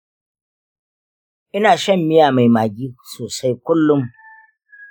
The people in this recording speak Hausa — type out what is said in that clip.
ina shan miya mai maggi sosai kullun.